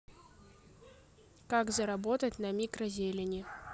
как заработать на микрозелени